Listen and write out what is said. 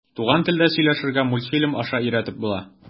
Туган телдә сөйләшергә мультфильм аша өйрәтеп була.